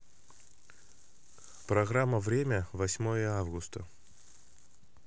программа время восьмое августа